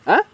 ah